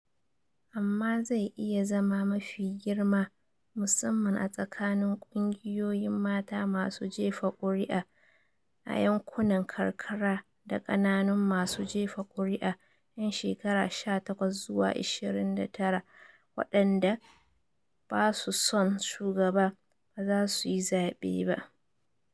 Amma zai iya zama mafi girma, musamman a tsakanin kungiyoyin mata masu jefa kuri'a, a yankunan karkara da kananun masu jefa kuri'a, 'yan shekaru 18 zuwa 29, waɗanda ba su son shugaba, ba za su yi zabe ba."